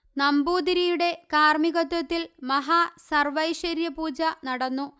നമ്പൂതിരിയുടെ കാര്മ്മികത്വത്തില് മഹാസര്വ്വൈശ്വര്യപൂജ നടന്നു